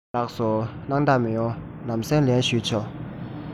ལགས སོ སྣང དག མི ཡོང ལམ སེང ལན ཞུས ཆོག